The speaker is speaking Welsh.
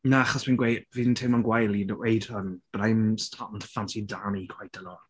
Na achos fi'n gweu... fi'n teimlo'n gwael i d- ddweud hwn but I'm starting to fancy Dami quite a lot.